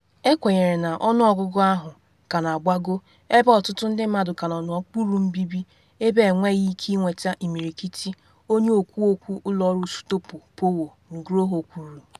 “Ekwenyere na ọnụọgụ ahụ ka na agbago ebe ọtụtụ ndị mmadụ ka nọ n’okpuru mbibi ebe enwebeghị ike ịnweta imirikiti,” onye okwu okwu ụlọ ọrụ Sutopo Purwo Nugroho kwuru.